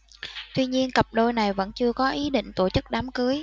tuy nhiên cặp đôi này vẫn chưa có ý định tổ chức đám cưới